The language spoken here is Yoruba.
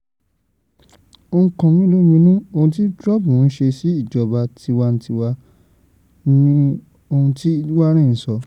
“Ó ń kan mí lóminú ohun tí Trump ń ṣe sí ìjọba tiwantiwa” ni ohun tí Warren sọ.